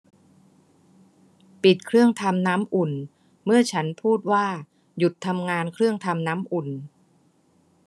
ปิดเครื่องทำน้ำอุ่นเมื่อฉันพูดว่าหยุดทำงานเครื่องทำน้ำอุ่น